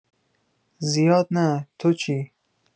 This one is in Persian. زیاد نه. تو چی؟